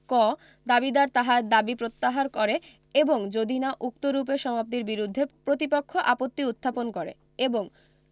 ক দাবীদার তাহার দাবী প্রত্যাহার করে এবং যদি না উক্তরূপে সমাপ্তির বিরুদ্ধে প্রতিপক্ষ আপত্তি উত্থাপন করে এবং